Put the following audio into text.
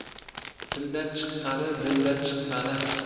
tildan chiqqani dildan chiqqani